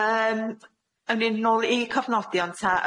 Yym awn ni nôl i cofnodion ta.